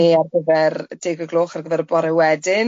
...ne ar gyfer deg o'r gloch ar gyfer y bore wedyn.